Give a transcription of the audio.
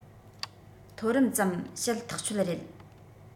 མཐོ རིམ ཙམ བཤད ཐག ཆོད རེད